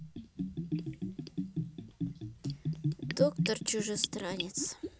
доктор чужестранец